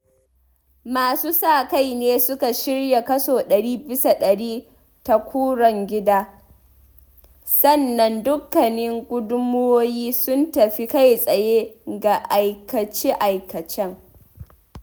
Masu sa kai ne suka shirya kaso 100% tarukan gida, sannan dukkanin gudunmawoyin sun tafi kai-tsaye ga aikace-aikacen.